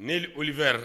Ni olu fɛyara